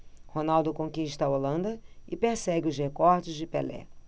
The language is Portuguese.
ronaldo conquista a holanda e persegue os recordes de pelé